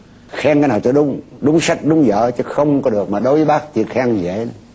khen thế nào cho đúng đúng sách đúng dở chứ không có được mà đối với bác như khen dễ